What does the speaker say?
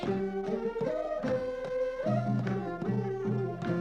Maa' diɲɛ